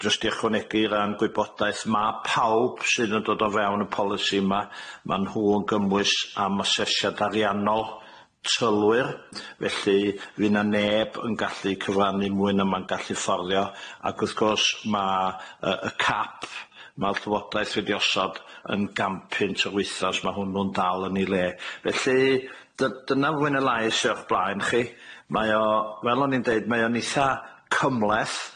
jyst i ychwanegu ran gwybodaeth ma' pawb sydd yn dod o fewn y polisi yma ma' nhw yn gymwys am aseshiad ariannol tylwyr felly fy' 'na neb yn gallu cyfrannu mwy na ma'n gallu fforddio ac wrth gwrs ma' yy y cap ma'r llywodaeth wedi osod yn gan pynt yr wsos ma' hwnnw'n dal yn ei le felly dy- dyna mwy ne' lai sy o'ch blaen chi mae o fel o'n i'n deud mae o'n itha cymleth.